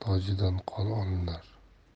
tojidan qon olinar